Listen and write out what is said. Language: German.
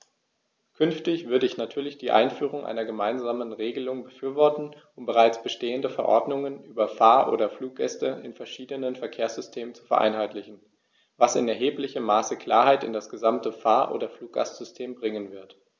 Künftig würde ich natürlich die Einführung einer gemeinsamen Regelung befürworten, um bereits bestehende Verordnungen über Fahr- oder Fluggäste in verschiedenen Verkehrssystemen zu vereinheitlichen, was in erheblichem Maße Klarheit in das gesamte Fahr- oder Fluggastsystem bringen wird.